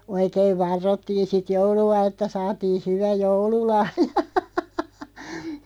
oikein varrottiin sitten joulua että saatiin hyvä joululahja